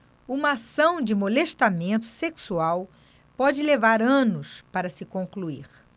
uma ação de molestamento sexual pode levar anos para se concluir